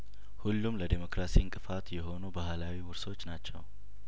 ሁሉም ለዴሞክራሲ እንቅፋት የሆኑ ባህላዊ ውርሶች ናቸው